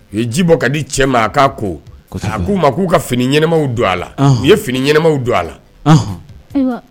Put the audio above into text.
U ye ji bɔ ka di cɛ ma a k'a ko, kosɛbɛ, a k'u ma k'u ka fini ɲɛnamaw don a la, anhan, u ye fini ɲɛnamaw don a la, ɔnhɔn